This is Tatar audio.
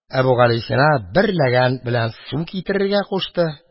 Әбүгалисина бер ләгән белән су китерергә кушты.